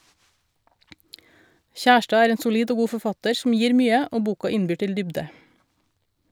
Kjærstad er en solid og god forfatter som gir mye, og boka innbyr til dybde.